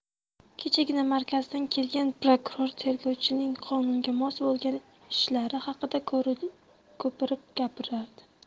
kechagina markazdan kelgan prokuror tergovchilarining qonunga mos bo'lmagan ishlari haqida ko'pirib gapirildi